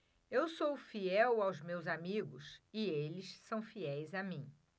eu sou fiel aos meus amigos e eles são fiéis a mim